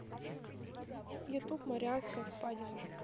ютуб марианская впадина